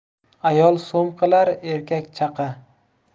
ayol so'm qilar erkak chaqa